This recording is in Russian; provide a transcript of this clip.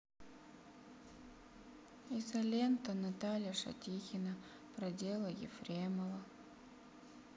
изолента наталья шатихина про дело ефремова